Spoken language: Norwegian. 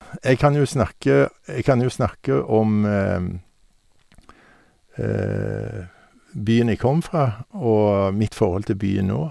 jeg kan jo snakke Jeg kan jo snakke om byen jeg kom fra og mitt forhold til byen nå.